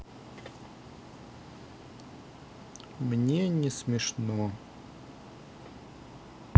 мне не смешно